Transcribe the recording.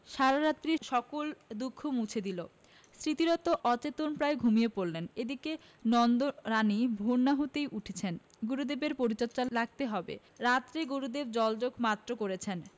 সারারাত্রির সকল দুঃখ মুছে দিলে স্মৃতিরত্ন অচেতনপ্রায় ঘুমিয়ে পড়লেন এদিকে নন্দরানী ভোর না হতেই উঠেছেন গুরুদেবের পরিচর্যায় লাগতে হবে রাত্রে গুরুদেব জলযোগ মাত্র করেছেন